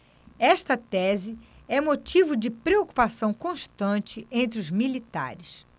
esta tese é motivo de preocupação constante entre os militares